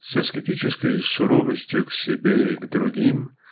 С аскетической суровостью к себе и другим